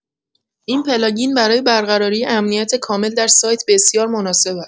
این پلاگین برای برقراری امنیت کامل در سایت بسیار مناسب است.